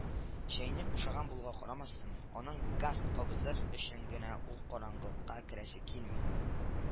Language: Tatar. Чәйнек бушаган булуга карамастан, аның газ кабызыр өчен генә ул караңгылыкка керәсе килми